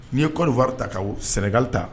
N'i ye Côte d'Ivoire ta ka o Sénégal ta